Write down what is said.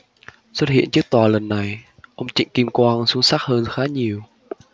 xuất hiện trước tòa lần này ông trịnh kim quang xuống sắc hơn khá nhiều